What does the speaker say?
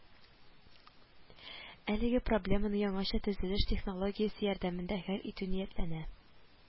Әлеге проблеманы яңача төзелеш технологиясе ярдәмендә хәл итү ниятләнә